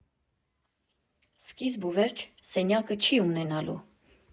Սկիզբ ու վերջ սենյակը չի ունենալու։